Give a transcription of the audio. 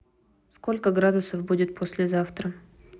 сколько градусов будет послезавтра